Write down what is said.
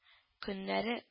Көннәре